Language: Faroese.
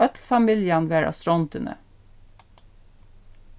øll familjan var á strondini